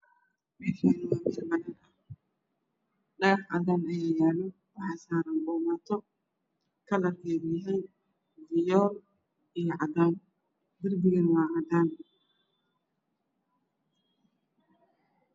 Meeshaan waa meel banaan ah dagax cad ayaa yaalo waxaa saaran boomaato kalarkeedu yahay fiyool iyo cadaan. Darbiguna waa cadaan.